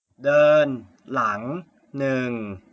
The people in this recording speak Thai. เดินหลังหนึ่ง